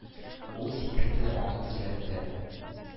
Ул сикертте аны тезләрендә,